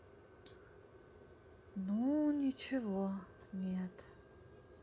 ну ничего нет